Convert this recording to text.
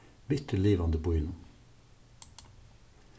mitt í livandi býnum